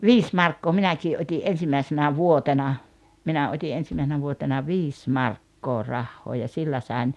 viisi markkaa minäkin otin ensimmäisenä vuotena minä otin ensimmäisenä vuotena viisi markkaa rahaa ja sillä sain